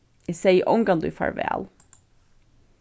eg segði ongantíð farvæl